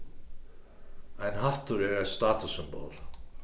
ein hattur er eitt statussymbol